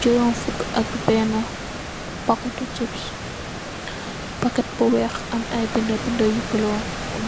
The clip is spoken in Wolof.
Juroom fuuku ay benne, paket tu cips, paket bu weex, am ay binde binde yu bula,